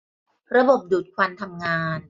ระบบดูดควันทำงาน